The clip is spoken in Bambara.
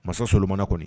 Masa solonmana kɔni